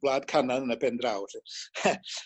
gwlad Canan yn y pen draw 'elly.